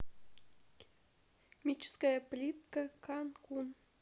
керамическая плитка канкун